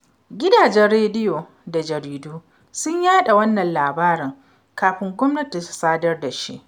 Gidajen rediyo da jaridu sun yaɗa wannan labari kafin gwamnati ta sadar da shi.